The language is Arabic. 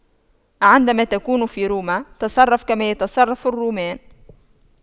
عندما تكون في روما تصرف كما يتصرف الرومان